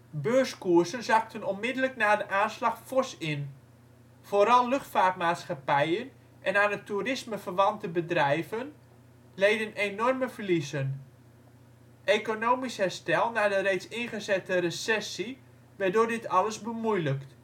Beurskoersen zakten onmiddellijk na de aanslag fors in. Vooral luchtvaartmaatschappijen en aan het toerisme verwante bedrijven leden enorme verliezen. Economisch herstel na de reeds ingezette recessie werd door dit alles bemoeilijkt